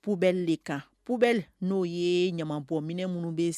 Poubelle de kan poubelle n'o ye ɲamanbɔnminɛ minnu bɛ